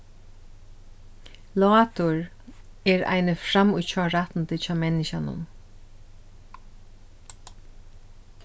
látur er eini framíhjárættindi hjá menniskjanum